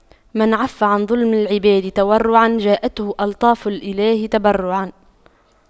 من عَفَّ عن ظلم العباد تورعا جاءته ألطاف الإله تبرعا